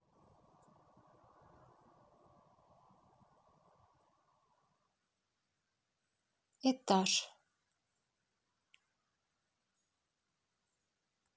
itachi